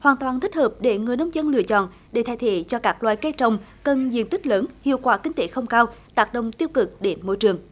hoàn toàn thích hợp để người nông dân lựa chọn để thay thế cho các loại cây trồng cần diện tích lớn hiệu quả kinh tế không cao tác động tiêu cực đến môi trường